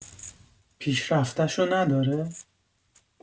پیشرفتشو نداره؟!